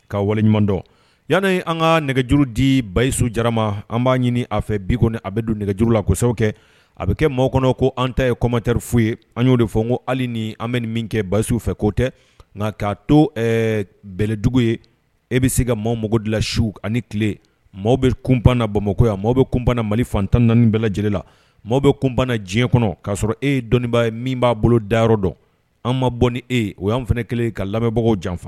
K ka waleɲumandɔ yanana an ka nɛgɛjuru di basiyisudima an b'a ɲini a fɛ biko a bɛ don nɛgɛjuru la ko sababu kɛ a bɛ kɛ maaw kɔnɔ ko an ta ye kɔmatɛri fu ye an y' de fɔ ko hali ni an bɛ min kɛ basisiww fɛ ko tɛ nka k'a to bɛlɛdugu ye e bɛ se ka maaw mago dilan su ani tile maaw bɛ kunba na bamakɔkoya maaw bɛ kun banna mali fantan naani bɛɛ lajɛlenele la maaw bɛ kun banna diɲɛ kɔnɔ k'a sɔrɔ e dɔnniba min b'a bolo dayɔrɔ dɔn an ma bɔ ni e o y' fana kelen ka lamɛnbagaw janfa